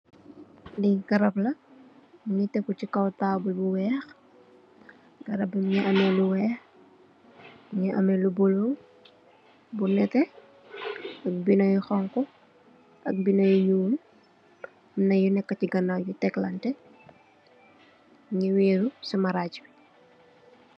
Legarap la mugi tekgu si kaw table bu wey. Garab bi mugi ameh lu weyh lu bolo lu nette bolo bu honha ak bolo yu ñuul amna yu nekasi ganow yu takelanteh nu waru simarai bi.